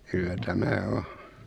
kyllä tämä on